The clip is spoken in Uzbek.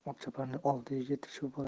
otchoparning oldi yigiti shu bo'ladi